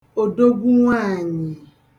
òdogwu nwaànyị̀